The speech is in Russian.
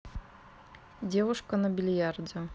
девушка на бильярде